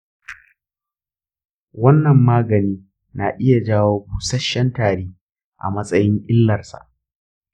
wannan magani na iya jawo busasshen tari a matsayin illarsa.